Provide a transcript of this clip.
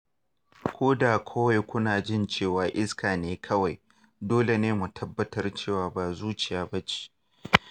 koda kawai ku na jin cewa iska ne kawai, dole ne mu tabbatar cewa ba zuciya bace